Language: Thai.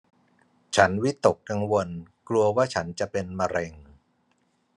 ฉันวิตกกังวลกลัวว่าฉันจะเป็นมะเร็ง